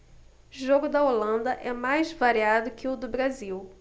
jogo da holanda é mais variado que o do brasil